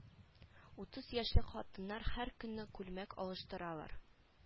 Утыз яшьлек хатыннар һәр көнне күлмәк алыштыралар